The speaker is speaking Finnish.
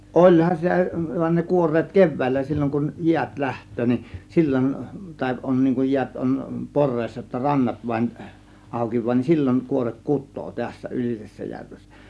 olihan sitä vaan ne kuoreet keväällä silloin kun jäät lähtee niin silloin tai on niin kun jäät on poreessa jotta rannat vain aukeaa niin silloin kuoreet kutee tässä Ylisessäjärvessä